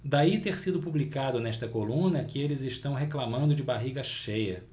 daí ter sido publicado nesta coluna que eles reclamando de barriga cheia